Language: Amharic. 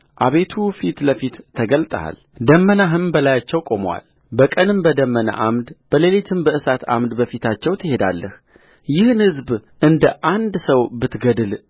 አቤቱ ፊት ለፊት ተገልጠሃል ደመናህም በላያቸው ቆሞአል በቀንም በደመና ዓምድ በሌሊትም በእሳት ዓምድ በፊታቸው ትሄዳለህይህን ሕዝብ እንደ አንድ ሰው ብትገድል